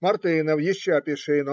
- Мартинов, еще пиши!